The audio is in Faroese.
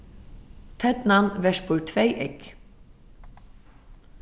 ternan verpur tvey egg